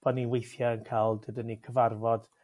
bo' ni weithie yn ca'l tydan ni cyfarfod